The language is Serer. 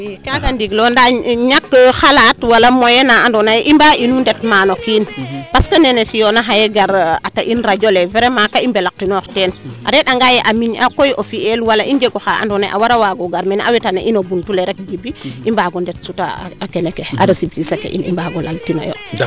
i kaaga ndingilo ndaa ñak xalat wala moyen na ando baye i mbaa indu ndet maano kiin parce que nene fi oona xaye gar ata in radio le vraiment kaa i mbelaxinoox teen a reend anga ye a miñ a koy o fiyel wala i njeg oxa ando naye awara waago gar mene a weta na in o buntu le rek Djiby i mbaago ndet suta a kene ke a recipicer ke in i mbaago lal tino yo